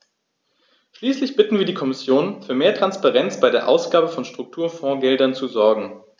Schließlich bitten wir die Kommission, für mehr Transparenz bei der Ausgabe von Strukturfondsgeldern zu sorgen.